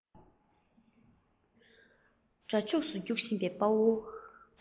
དགྲ ཕྱོགས སུ རྒྱུག བཞིན པའི དཔའ བོ